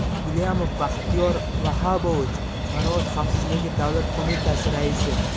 gulyamov baxtiyor vahobovich sanoat xavfsizligi davlat qo'mitasi raisi